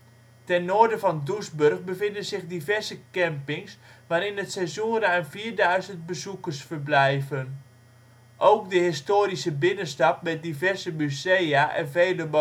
Ten noorden van Doesburg bevinden zich diverse campings waar in het seizoen ruim 4000 bezoekers verblijven. Ook de historische binnenstad met diverse musea en vele